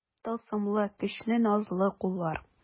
Тылсымлы, көчле, назлы куллар.